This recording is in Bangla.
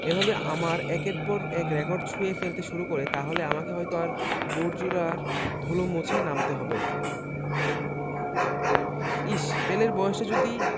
এভাবে আমার একের পর এক রেকর্ড ছুঁয়ে ফেলতে শুরু করে তাহলে আমাকে হয়তো আবার বুটজোড়ার ধুলো মুছে নামতে হবে ইশ্ পেলের বয়সটা যদি